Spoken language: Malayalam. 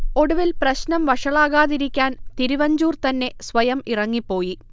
ഒടുവിൽ പ്രശ്നം വഷളാകാതിക്കാൻ തിരുവഞ്ചൂർ തന്നെ സ്വയം ഇറങ്ങി പോയി